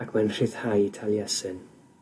ac mae'n rhyddhau Taliesin.